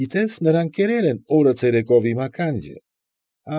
Գիտե՞ս, նրանք են կերել օրը ցերեկով իմ ականջը։